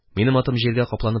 Минем атым җиргә капланып